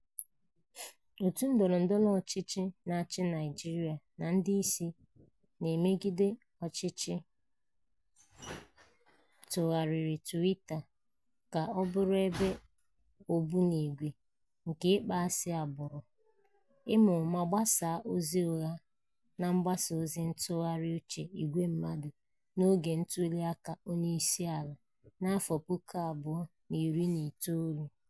Otu ndọrọ ndọrọ ọchịchị na-achị Naịjirịa na ndị isi na-emegide ọchịchị tụgharịrị Twitter ka ọ bụrụ ebe ogbunigwe nke ịkpọasị agbụrụ, ịma ụma gbasaa ozi ụgha na mgbasa ozi ntụgharị uche ìgwe mmadụ n'oge ntụliaka onyeisiala 2019.